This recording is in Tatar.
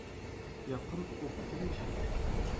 Якын ук килмичә,